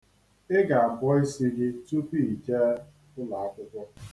̣Ị ga-abọ isi gị tupu i jee ulọakwụkwọ.